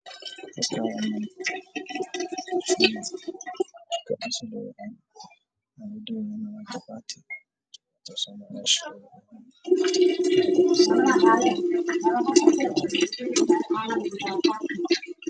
Meesha waxaa yaalla jabbati duuban